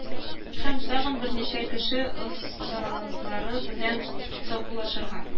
Һәм тагын берничә кеше остазлары белән саубуллашырга